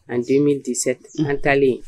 An den di an ntalenlen